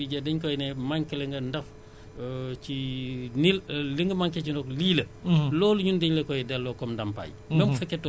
mën naa am sax borom yëgu ko mais bu demee ba campagne bi jeex dañ koy ne manqué le nga ndox ci ni li nga manqué ci ndox lii la